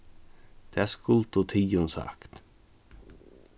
tað skuldu tygum sagt